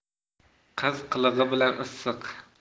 qiz qilig'i bilan issiq